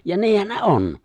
ja niinhän ne on